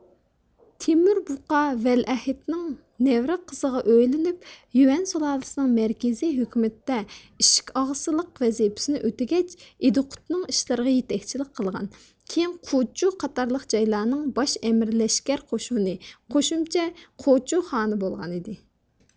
تېمۇربۇقا ۋەلىئەھدنىڭ نەۋرە قىزىگە ئۆيلىنىپ يۈەن سۇلالىسىنىڭ مەركىزىي ھۆكۈمىتىدە ئىشىكئاغىسىلىق ۋەزىپىسىنى ئۆتىگەچ ئىدىقۇتنىڭ ئىشلىرىغا يېتەكچىلىك قىلغان كېيىن قوچو قاتارلىق جايلارنىڭ باش ئەمىرلەشكەر قوشۇنى قوشۇمچە قوچو خانى بولغانىدى